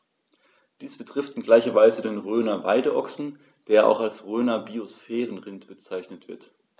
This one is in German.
Dies betrifft in gleicher Weise den Rhöner Weideochsen, der auch als Rhöner Biosphärenrind bezeichnet wird.